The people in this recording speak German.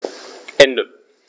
Ende.